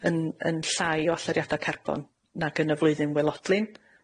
yn yn llai o allyriada carbon nag yn y flwyddyn waelodlin.